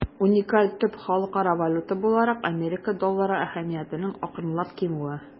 Уникаль төп халыкара валюта буларак Америка доллары әһәмиятенең акрынлап кимүе.